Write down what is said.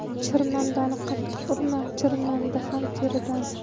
chirmandani qattiq urma chirmanda ham teridan